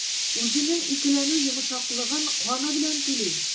Үзенең икеләнү йомшаклыгын каны белән түли.